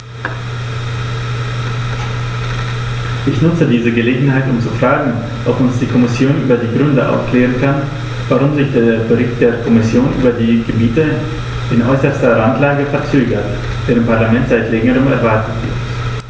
Ich nutze diese Gelegenheit, um zu fragen, ob uns die Kommission über die Gründe aufklären kann, warum sich der Bericht der Kommission über die Gebiete in äußerster Randlage verzögert, der im Parlament seit längerem erwartet wird.